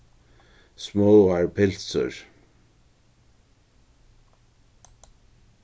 smáar pylsur